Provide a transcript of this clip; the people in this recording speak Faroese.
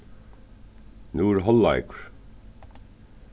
nú er hálvleikur